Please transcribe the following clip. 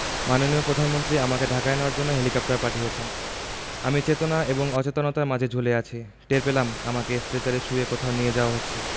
মাননীয় প্রধানমন্ত্রী আমাকে ঢাকায় নেওয়ার জন্য হেলিকপ্টার পাঠিয়েছেন আমি চেতনা এবং অচেতনার মাঝে ঝুলে আছি টের পেলাম আমাকে স্ট্রেচারে শুইয়ে কোথাও নিয়ে যাওয়া হচ্ছে